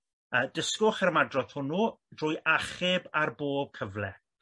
yy dysgwch yr ymadrodd hwnnw drwy achub ar bob cyfle.